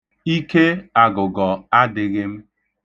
Ike agụgọ adịghị m.